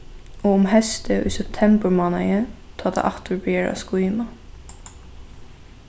og um heystið í septemburmánaði tá tað aftur byrjar at skýma